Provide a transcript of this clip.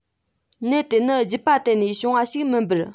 ནད དེ ནི རྒྱུད པ དེད ནས བྱུང བ ཞིག མིན པར